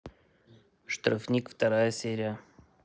штрафник вторая серия